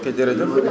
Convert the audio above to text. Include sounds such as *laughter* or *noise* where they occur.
*crosstalk* ok jërëjëf *crosstalk*